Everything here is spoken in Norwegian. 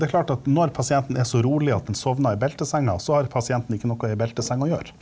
det er klart at når pasienten er så rolig at den sovner i beltesenga så har pasienten ikke noe i belteseng å gjøre.